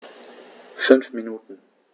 5 Minuten